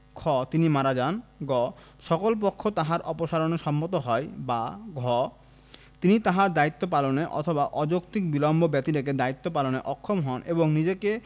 খ তিনি মারা যান গ সকল পক্ষ তাহার অপসারণে সম্মত হয় বা ঘ তিনি তাহার দায়িত্ব পালনে অথবা অযৌক্তিক বিলম্ব ব্যতিরেকে দায়িত্ব পালনে অক্ষম হন এবং নিজেকে